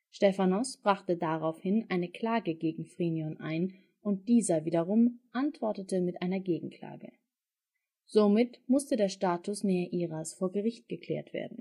Stephanos brachte daraufhin eine Klage gegen Phrynion ein, und dieser wiederum antwortete mit einer Gegenklage. Somit musste der Status Neairas vor Gericht geklärt